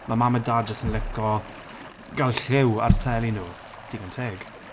Ma Mam a Dad jyst yn lico gael lliw ar teli nhw digon teg.